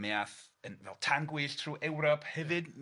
Mi ath yn fel tan gwyllt trw Ewrop hefyd